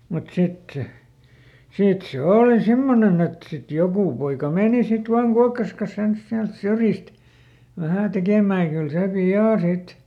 mutta sitten se sitten se oli semmoinen että sitten joku poika meni sitten vain kuokkansa kanssa ensin sieltä syrjistä vähän tekemään ja kyllä se pian sitten